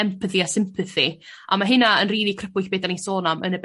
empathy a sympathy a ma' hynna yn rili crybwll be' 'dan ni'n sôn am yn y